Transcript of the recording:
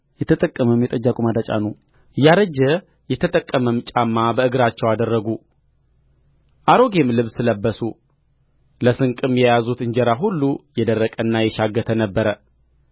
የተጠቀመም የጠጅ አቁማዳ ጫኑ ያረጀ የተጠቀመም ጫማ በእግራቸው አደረጉ አሮጌም ልብስ ለበሱ ለስንቅም የያዙት እንጀራ ሁሉ የደረቀና የሻገተ ነበረ